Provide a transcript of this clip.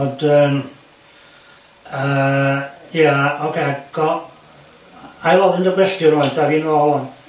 Ond yym yy ia ocê go- ail ofyn y cwestiwn ŵan 'da ni'n ôl ŵan.